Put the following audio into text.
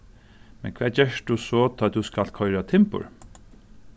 men hvat gert tú so tá tú skalt koyra timbur